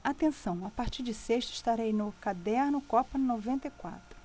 atenção a partir de sexta estarei no caderno copa noventa e quatro